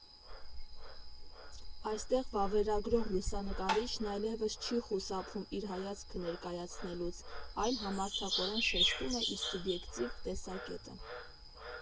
Այստեղ վավերագրող լուսանկարիչն այլևս չի խուսափում իր հայացքը ներկայացնելուց, այլ համարձակորեն շեշտում է իր սուբյեկտիվ տեսակետը։